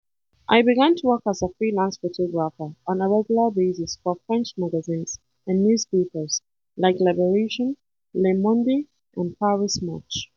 I began to work as a freelance photographer on a regular basis for French magazines and newspapers, like Libération, Le Monde, and Paris Match.